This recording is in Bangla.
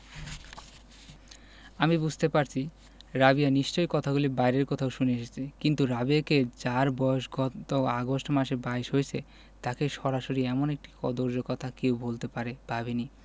আমি বুঝতে পারছি রাবেয়া নিশ্চয়ই কথাগুলি বাইরে কোথাও শুনে এসেছে কিন্তু রাবেয়াকে যার বয়স গত আগস্ট মাসে বাইশ হয়েছে তাকে সরাসরি এমন একটি কদৰ্য কথা কেউ বলতে পারে ভাবিনি